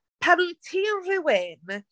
Pan wyt ti'n rywun...